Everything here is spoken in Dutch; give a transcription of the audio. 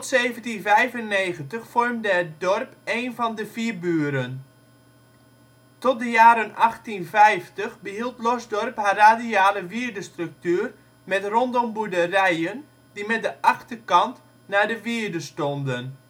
1795 vormde het dorp een van de Vierburen. Tot de jaren 1850 behield Losdorp haar radiale wierdestructuur met rondom boerderijen die met de achterkant naar de wierde stonden